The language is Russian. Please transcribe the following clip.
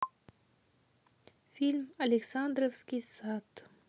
фильм александровский сад